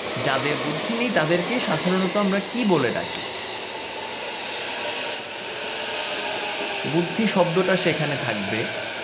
যাদের বুদ্ধি নেই তাদের কে সাধারণত আমরা কি বলে ডাকি বুদ্ধি শব্দ টা সেখানে থাকবে